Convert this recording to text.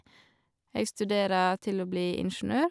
Jeg studerer til å bli ingeniør.